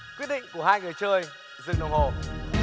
quyết định của hai người chơi dừng đồng hồ